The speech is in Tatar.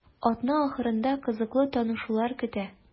Атна ахырында кызыклы танышулар көтә.